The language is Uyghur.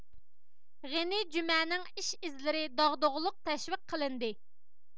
غېنى جۈمەنىڭ ئىش ئىزلىرى داغدۇغىلىق تەشۋىق قىلىندى